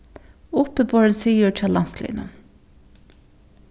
uppiborin sigur hjá landsliðnum